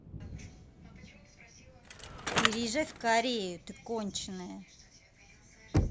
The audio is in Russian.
переезжай в корею ты конченная